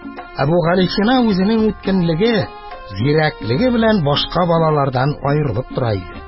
Әбүгалисина үзенең үткенлеге, зирәклеге белән башка балалардан аерылып тора иде.